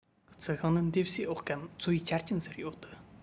རྩི ཤིང ནི འདེབས གསོས འོག གམ འཚོ བའི ཆ རྐྱེན གསར བའི འོག ཏུ